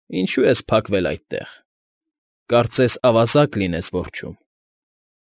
Ինչո՞ւ ես փակվել այդտեղ, կարծես ավազակ լինես որջում։